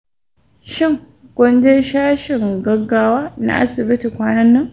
shin kun je sashin gaggawa na asibiti kwanan nan?